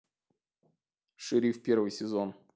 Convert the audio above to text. шифр первый сезон